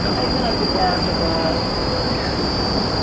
Ai dyna ydy blas fatha tofu?